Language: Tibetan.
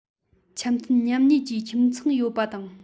འཆམ མཐུན མཉམ གནས ཀྱི ཁྱིམ ཚང ཡོད པ དང